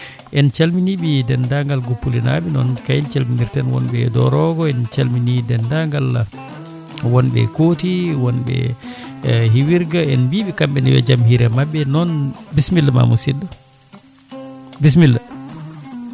en calmini dendagal Guppuli naaɓe noon kayne calminirten yomɓe e Dorogo en calmini dendagal wonɓe Kooti wonɓe Hiwirgua en mbiɓe kamɓene yo jaam hiire mabɓe noon bisimilla ma musidɗo bisimilla